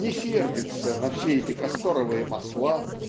не сердится на все эти касторовые масла